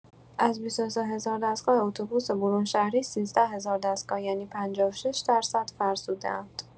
از ۲۳ هزار دستگاه اتوبوس برون‌شهری ۱۳ هزار دستگاه یعنی ۵۶ درصد فرسوده‌اند.